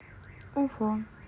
ufo